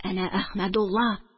Әнә Әхмәдулла!